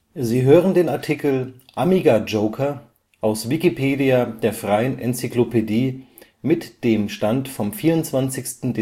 Sie hören den Artikel Amiga Joker, aus Wikipedia, der freien Enzyklopädie. Mit dem Stand vom Der